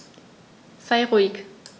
Sei ruhig.